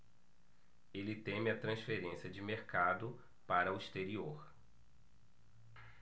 ele teme a transferência de mercado para o exterior